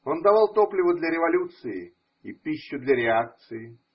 Он давал топливо для революции и пищу для реакции.